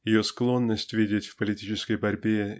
ее склонность видеть в политической борьбе